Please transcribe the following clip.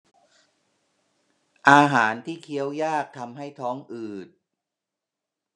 อาหารที่เคี้ยวยากทำให้ท้องอืด